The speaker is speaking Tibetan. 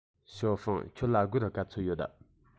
ཞའོ ཧྥང ཁྱོད ལ སྒོར ག ཚོད ཡོད